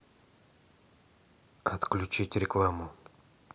отключить рекламу